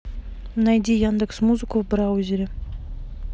найди яндекс музыку в браузере